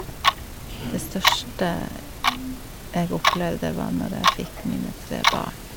Det største jeg opplevde, var når jeg fikk mine tre barn.